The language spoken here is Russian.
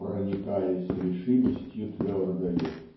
"проникаясь решимостью твердою",